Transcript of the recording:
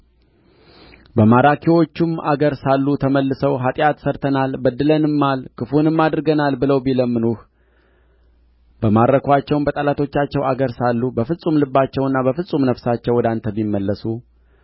በማራኪዎቹም አገር ሳሉ ተመልሰው ኃጢአት ሠርተናል በድለንማል ክፉንም አድርገናል ብለው ቢለምኑህ በማረኩአቸው በጠላቶቻቸው አገር ሳሉ በፍጹም ልባቸውና በፍጹም ነፍሳቸው ወደ አንተ ቢመለሱ